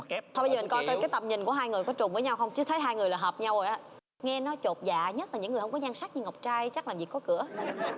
gia đình con cái tầm nhìn của hai người có trùng với nhau không chưa thấy hai người họp nhau ạ nghe nói chột dạ nhất là những người có nhan sắc ngọc trai chắc làm gì có cửa